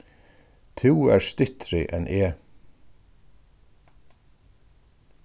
tú ert styttri enn eg